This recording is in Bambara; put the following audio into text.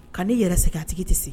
Ka n'i yɛrɛ sɛngɛ a tigi te se